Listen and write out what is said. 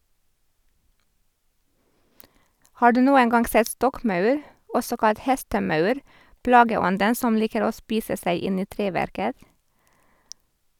Har du noen gang sett stokkmaur, også kalt hestemaur, plageånden som liker å spise seg inn i treverket?